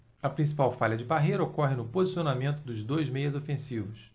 a principal falha de parreira ocorre no posicionamento dos dois meias ofensivos